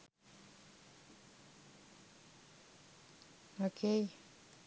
ok